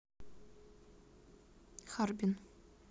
харбин